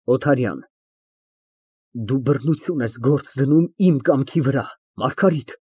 ՕԹԱՐՅԱՆ ֊ Դու բռնություն ես գործ դնում իմ կամքի վրա, Մարգարիտ։